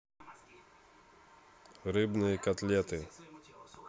рыбные котлеты